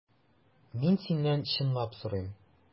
Мин синнән чынлап сорыйм.